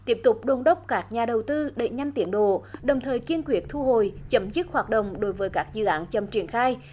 tiếp tục đôn đốc các nhà đầu tư đẩy nhanh tiến độ đồng thời kiên quyết thu hồi chấm dứt hoạt động đối với các dự án chậm triển khai